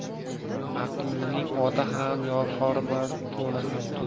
aqllining oti ham horimas to'ni ham to'zimas